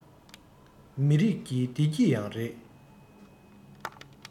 མི རིགས ཀྱི བདེ སྐྱིད ཡང རེད